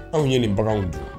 Anw ye nin baganw dun